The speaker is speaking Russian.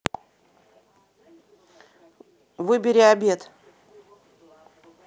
выбери обед